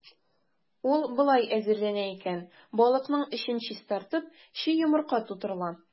Ул болай әзерләнә икән: балыкның эчен чистартып, чи йомырка тутырыла.